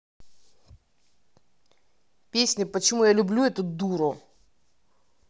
песня почему я люблю эту дуру